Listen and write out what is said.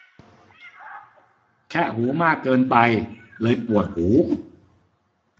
แคะหูมากเกินไปเลยปวดหู